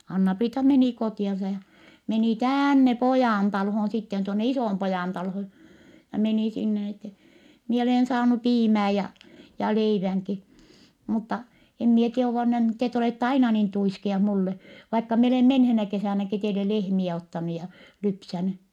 Anna-Priita meni kotiansa ja meni tänne Pojantaloon sitten tuonne Isonpojantaloon ja meni sinne niin että minä olen saanut piimää ja ja leivänkin mutta en minä tiedä onko ne nyt te olette aina niin tuiskea minulle vaikka minä olen menneenä kesänäkin teille lehmiä ottanut ja lypsänyt